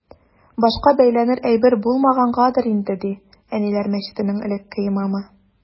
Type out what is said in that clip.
Башка бәйләнер әйбер булмагангадыр инде, ди “Әниләр” мәчетенең элекке имамы.